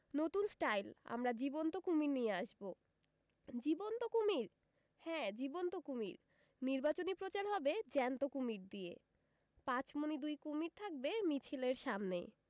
নতুন স্টাইল আমরা জীবন্ত কুমীর নিয়ে আসব জীবন্ত কুমীর হ্যাঁ জীবন্ত কুমীর নির্বাচনী প্রচার হবে জ্যান্ত কুমীর দিয়ে পাঁচমণি দুই কুমীর থাকবে মিছিলের সামনে